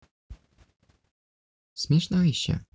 смешной еще